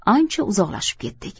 ancha uzoqlashib ketdik